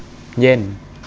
เย็น